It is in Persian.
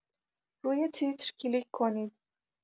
روی تیتر کلیک کنید.